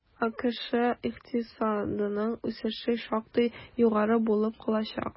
АКШ икътисадының үсеше шактый югары булып калачак.